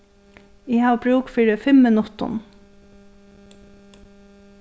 eg havi brúk fyri fimm minuttum